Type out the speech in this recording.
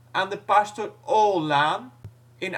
aan de Pastoor Ohllaan (1885